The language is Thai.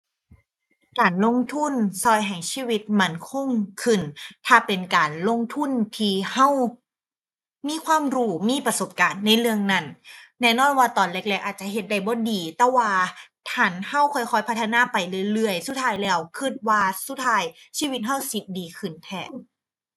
การลงทุนช่วยให้ชีวิตมั่นคงขึ้น ถ้าเป็นการลงทุนที่ช่วยมีความรู้ มีประสบการณ์ในเรื่องนั้น แน่นอนว่าตอนแรกแรกอาจจะเฮ็ดได้บ่ดี แต่ว่าหั้นช่วยค่อยค่อยพัฒนาไปเรื่อยเรื่อย สุดท้ายแล้ว ช่วยว่าสุดท้ายชีวิตช่วยสิดีขึ้นแท้